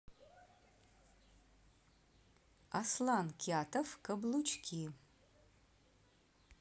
аслан кятов каблучки